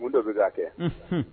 Mun dɔ bɛ'a kɛ